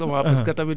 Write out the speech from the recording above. waa exactement